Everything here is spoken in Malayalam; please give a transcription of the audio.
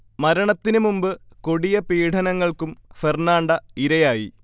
മരണത്തിന് മുമ്പ് കൊടിയ പീഢനങ്ങൾക്കും ഫെർണാണ്ട ഇരയായി